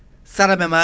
sara memani